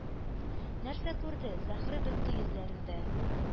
Нәрсә күрде?! — Зәһре бетте йөзләрендә,